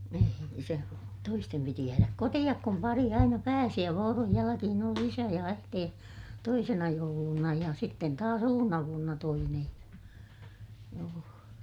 ei silloin toisten piti jäädä kotiin kun pari aina pääsi ja vuoron jälkeen oli isä ja äiti toisena jouluna ja sitten taas uutena vuotena toinen ja joo